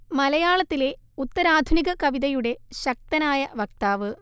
മലയാളത്തിലെ ഉത്തരാധുനിക കവിതയുടെ ശക്തനായ വക്താവ്